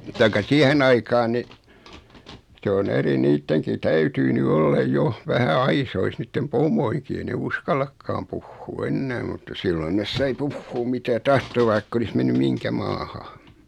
tai siihen aikaan niin se on eri niidenkin täytyy nyt olla jo vähän aisoissa niiden pomojenkin ei ne uskallakaan puhua enää mutta silloin ne sai puhua mitä tahtoi vaikka olisi mennyt mihinkä maahan